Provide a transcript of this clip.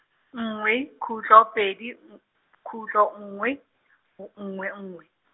nngwe, khutlo pedi, nng-, khutlo, nngwe, o nngwe nngwe.